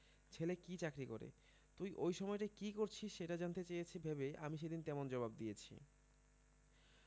ছেলে কী চাকরি করে তুই ওই সময়টায় কী করছিস সেটি জানতে চেয়েছে ভেবে আমি সেদিন তেমন জবাব দিয়েছি